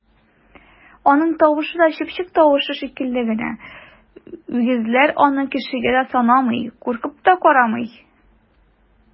Аның тавышы да чыпчык тавышы шикелле генә, үгезләр аны кешегә дә санамый, куркып та карамый!